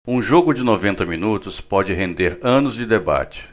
um jogo de noventa minutos pode render anos de debate